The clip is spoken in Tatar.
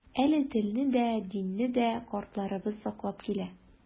Әле телне дә, динне дә картларыбыз саклап килә.